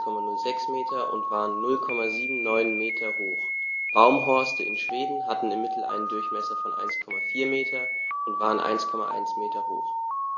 1,06 m und waren 0,79 m hoch, Baumhorste in Schweden hatten im Mittel einen Durchmesser von 1,4 m und waren 1,1 m hoch.